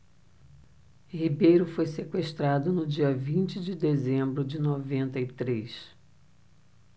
ribeiro foi sequestrado no dia vinte de dezembro de noventa e três